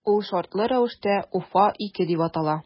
Ул шартлы рәвештә “Уфа- 2” дип атала.